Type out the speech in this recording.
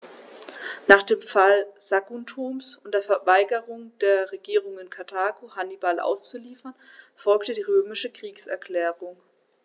Nach dem Fall Saguntums und der Weigerung der Regierung in Karthago, Hannibal auszuliefern, folgte die römische Kriegserklärung.